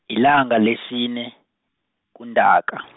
yilanga lesine, kuNtaka .